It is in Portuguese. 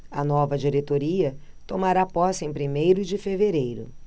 a nova diretoria tomará posse em primeiro de fevereiro